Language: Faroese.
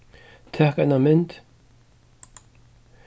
tak eina mynd